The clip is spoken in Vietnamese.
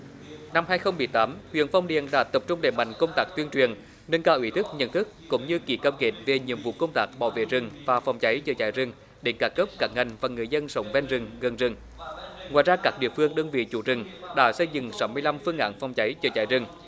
năm hai không mười tám huyện phong điền đã tập trung đẩy mạnh công tác tuyên truyền nâng cao ý thức nhận thức cũng như ký cam kết về nhiệm vụ công tác bảo vệ rừng và phòng cháy chữa cháy rừng đến các cấp các ngành và người dân sống ven rừng gần rừng ngoài ra các địa phương đơn vị chủ rừng đã xây dựng sáu mươi lăm phương án phòng cháy chữa cháy rừng